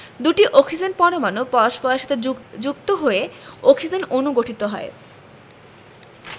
দুটি অক্সিজেন পরমাণু পরস্পরের সাথে যুক্ত হয়ে অক্সিজেন অণু গঠিত হয়